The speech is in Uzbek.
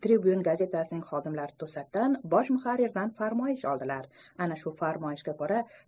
tribyun gazetasining xodimlari to'satdan bosh muharrirdan farmoyish oldilar ana shu farmoyishga ko'ra